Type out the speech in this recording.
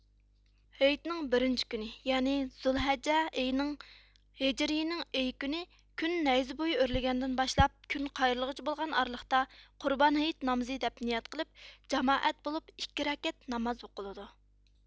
ھېيتنىڭ بىرىنچى كۈنى يەنى زۇلھەججە ئېنىڭ ھىجرىيىنىڭ ئېيى كۈنى كۈن نەيزە بۇيى ئۆرلىگەندىن باشلاپ كۈن قايرىلغىچە بولغان ئارىلىقتا قۇربان ھېيت نامىزى دەپ نىيەت قىلىپ جامائەت بولۇپ ئىككى رەكەت ناماز ئوقۇلىدۇ